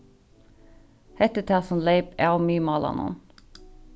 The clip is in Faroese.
hatta er tað sum leyp av miðmálanum